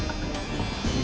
ạ